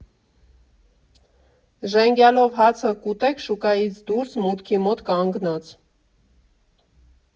Ժենգյալով հացը կուտեք շուկայից դուրս, մուտքի մոտ կանգնած։